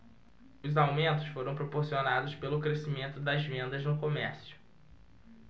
os aumentos foram proporcionados pelo crescimento das vendas no comércio